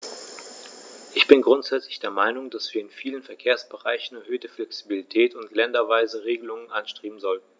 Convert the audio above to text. Ich bin grundsätzlich der Meinung, dass wir in vielen Verkehrsbereichen erhöhte Flexibilität und länderweise Regelungen anstreben sollten.